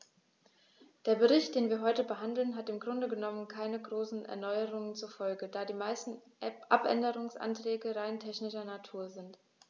Der Bericht, den wir heute behandeln, hat im Grunde genommen keine großen Erneuerungen zur Folge, da die meisten Abänderungsanträge rein technischer Natur sind.